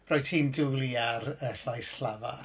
Rwyt ti'n dwlu ar y llais llafar